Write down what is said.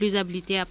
d' accord